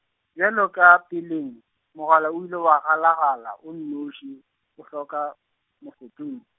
bjalo ka peleng, mogala o ile wa galagala o nnoši, o hloka mofeto-.